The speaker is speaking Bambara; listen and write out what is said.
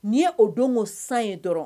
N'i ye o don san ye dɔrɔn.